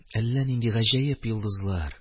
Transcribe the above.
Әллә нинди гаҗәп йолдызлар